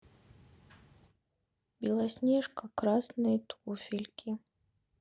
белоснежка красные туфельки